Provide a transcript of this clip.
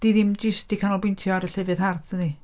'Di hi ddim jyst 'di canolbwyntio ar y llefydd hardd, nadi?